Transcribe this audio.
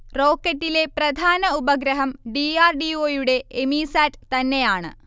റോക്കറ്റിലെ പ്രധാന ഉപഗ്രഹം D. R. D. O. യുടെ എമീസാറ്റ് തന്നെയാണ്